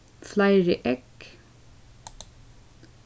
fleiri egg